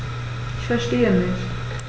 Ich verstehe nicht.